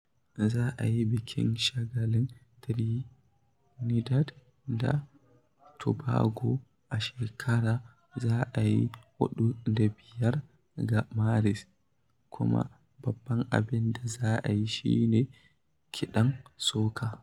Za a yi bikin shagalin Trinidad da Tobago na shekara za a yi 4 da 5 ga Maris, kuma babban abin da za a yi shi ne kiɗan soca.